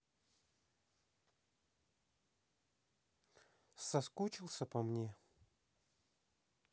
соскучился по мне